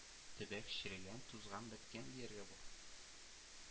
Төбәк черегән, тузган, беткән дияргә була,